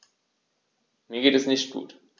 Mir geht es nicht gut.